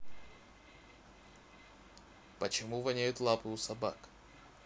почему воняют лапы у собак